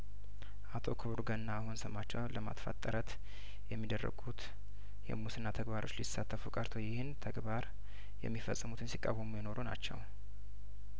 አቶ ክቡር ገና አሁን ስማቸውን ለማጥፋት ጥረት የሚደረጉት የሙስና ተግባሮች ሊሳተፉ ቀርቶ ይህን ተግባር የሚፈጽሙትን ሲቃወሙ የኖሩ ናቸው